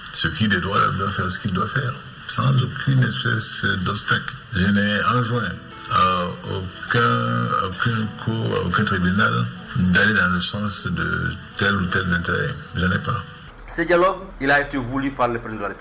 Sokɛki de dɔw' la bɛfɛ sigi dɔfɛ dɔta anson ɔ ko kɛlen bɛ na dalen son tɛ tɛ nte ye ne pa slo i' panli